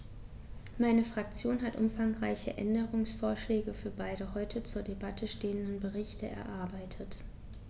Meine Fraktion hat umfangreiche Änderungsvorschläge für beide heute zur Debatte stehenden Berichte erarbeitet.